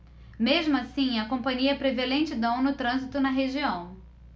mesmo assim a companhia prevê lentidão no trânsito na região